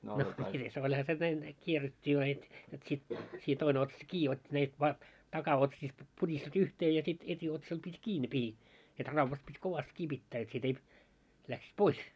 no mitenkäs olihan se näin kierrettiin vain heitä jotta sitten siinä toinen otsasta kiinni otti -- takaotsista puristi yhteen ja sitten etiotsalla piti kiinni ne pihdit että raudat piti kovasti kiinni pitää että sitten ei lähtisi pois